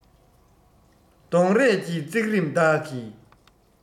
གདོང རས ཀྱི བརྩེགས རིམ བདག གིས